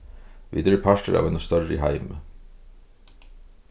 vit eru partur av einum størri heimi